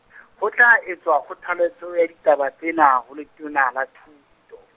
ho tla etswa, kgothaletso ya ditaba tsena, ho Letona, la Thuto.